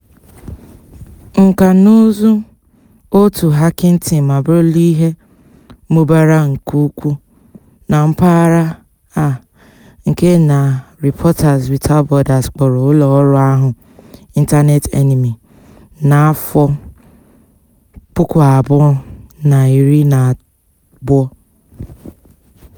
Nkanụzụ òtù Hacking Team abụrụla ihe mụbara nke ukwuu na mpaghara a nke na Reporters Without Borders kpọrọ ụlọọrụ ahụ “Internet Enemy” na 2012.